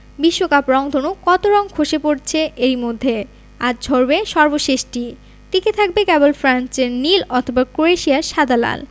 বিশ্বকাপ রংধনুর কত রং খসে পড়েছে এরই মধ্যে আজ ঝরবে সর্বশেষটি টিকে থাকবে কেবল ফ্রান্সের নীল অথবা ক্রোয়েশিয়ার সাদা লাল